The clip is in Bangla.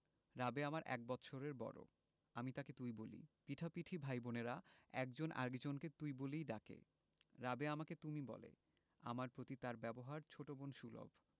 রাবেয়া আমার এক বৎসরের বড় আমি তাকে তুই বলি পিঠাপিঠি ভাই বোনের একজন আরেক জনকে তুই বলেই ডাকে রাবেয়া আমাকে তুমি বলে আমার প্রতি তার ব্যবহার ছোট বোন সুলভ